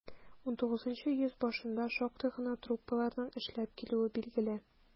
XIX йөз башында шактый гына труппаларның эшләп килүе билгеле.